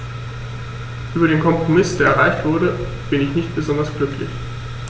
Über den Kompromiss, der erreicht wurde, bin ich nicht besonders glücklich.